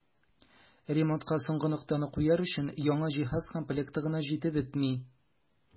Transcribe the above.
Ремонтка соңгы ноктаны куяр өчен яңа җиһаз комплекты гына җитеп бетми.